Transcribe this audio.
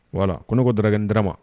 Wala ko ne koo dra n d ma